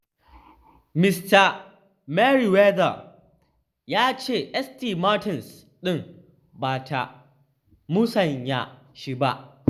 Mista Merriweather ya ce St. Martin's ɗin ba ta musanya shi ba.